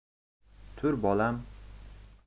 tur bolam